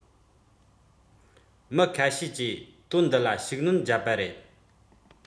མི ཁ ཤས ཀྱིས དོན འདི ལ ཤུགས སྣོན བརྒྱབ པ རེད